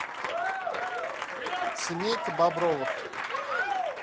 семейка бобровых